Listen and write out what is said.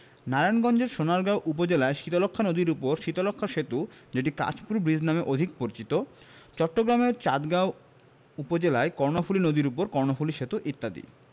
নারায়ণগঞ্জের সোনারগাঁও উপজেলায় শীতলক্ষ্যা নদীর উপর শীতলক্ষ্যা সেতু যেটি কাঁচপুর ব্রীজ নামে অধিক পরিচিত চট্টগ্রামের চান্দগাঁও উপজেলায় কর্ণফুলি নদীর উপর কর্ণফুলি সেতু ইত্যাদি